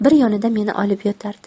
bir yonida meni olib yotardi